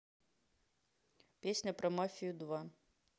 песня про мафию два